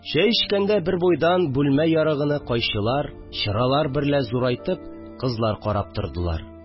Чәй эчкәндә, бербуйдан бүлмә ярыгыны кайчылар, чыралар берлә зурайтып, кызлар карап тордылар.